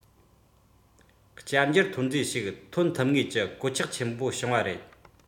དཔེ ཆ ཞིག ཐོན ཐུབ ངེས རེད ཡ